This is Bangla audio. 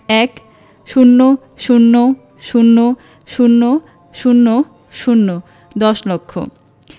১০০০০০০ দশ লক্ষ